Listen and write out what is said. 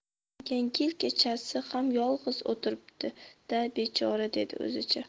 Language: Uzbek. yangi yil kechasi ham yolg'iz o'tiribdi da bechora dedi o'zicha